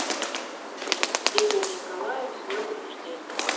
игорь николаев с днем рождения